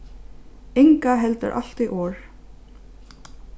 inga heldur altíð orð